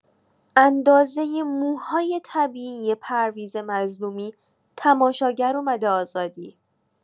اندازۀ موهای طبیعی پرویز مظلومی تماشاگر اومده آزادی